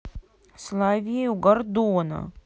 соловей у гордона